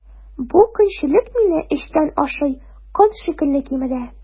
Бу көнчелек мине эчтән ашый, корт шикелле кимерә.